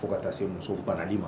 Fo ka taa se muso banli ma